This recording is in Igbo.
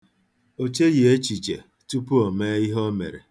O cheghị echiche tupu mee ihe o mere.